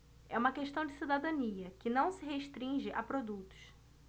é uma questão de cidadania que não se restringe a produtos